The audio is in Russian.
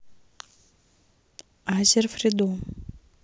азер фридом